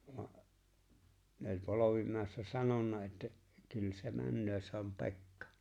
no ne oli Polvimäessä sanonut että kyllä se menee se on Pekka